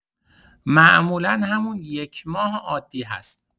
معمولا همون یک ماه عادی هست.